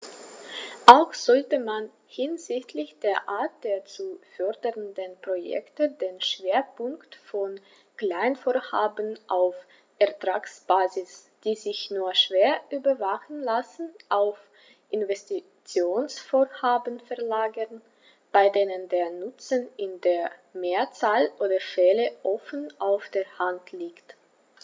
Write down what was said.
Auch sollte man hinsichtlich der Art der zu fördernden Projekte den Schwerpunkt von Kleinvorhaben auf Ertragsbasis, die sich nur schwer überwachen lassen, auf Investitionsvorhaben verlagern, bei denen der Nutzen in der Mehrzahl der Fälle offen auf der Hand liegt.